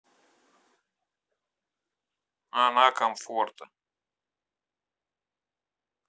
она комфорта